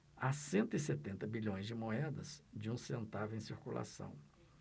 há cento e setenta bilhões de moedas de um centavo em circulação